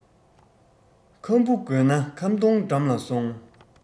ཁམ བུ དགོས ན ཁམ སྡོང འགྲམ ལ སོང